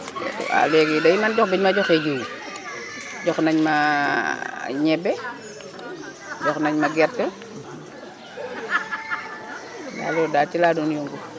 waaw léegi de man doom bi ñu ma joxee jiwu jox nañu ma ñebe jox nañu ma gerte waaw loolu daal ci laa doon yëngu